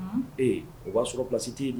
Ee o b'a sɔrɔ plasi tɛ